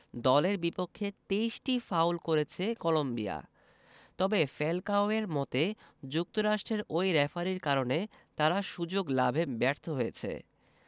দলের বিপক্ষে ২৩টি ফাউল করেছে কলম্বিয়া তবে ফ্যালকাওয়ের মতে যুক্তরাষ্ট্রের ওই রেফারির কারণে তারা সুযোগ লাভে ব্যর্থ হয়েছে